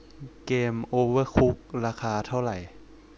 เกมโอเวอร์คุกราคาเท่าไหร่